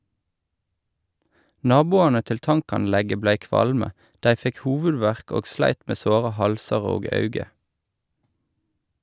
Naboane til tankanlegget blei kvalme, dei fekk hovudverk og sleit med såre halsar og auge.